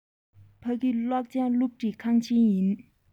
ཕ གི གློག ཅན སློབ ཁྲིད ཁང ཆེན ཡིན